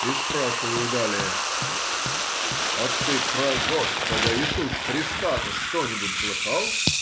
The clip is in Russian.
— и спрашиваю далее: — А ты про господа Иисуса Христа-то что-нибудь слыхал?